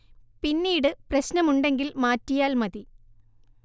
പിന്നീട് പ്രശ്നം ഉണ്ടെങ്കിൽ മാറ്റിയാൽ മതി